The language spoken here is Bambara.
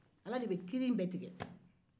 ala de bɛ kiiri in bɛɛ tigɛ